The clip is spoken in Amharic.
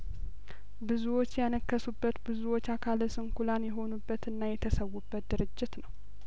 ብዙዎች ያነከሱ በት ብዙዎች አካለንስኩላን የሆኑ በትና የተሰ ዉ በት ድርጅት ነው